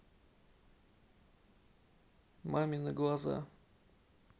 мамины глаза